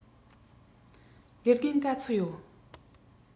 དགེ རྒན ག ཚོད ཡོད